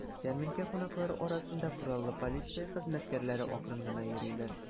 Ярминкә кунаклары арасында кораллы полиция хезмәткәрләре акрын гына йөриләр.